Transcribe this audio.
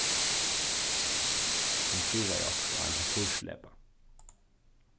hon skrivaði okkurt á ein pappírslepa